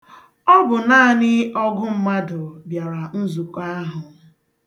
Ọ bụ naanị ọg̣ụ mmadụ bịara nzukọ ahụ.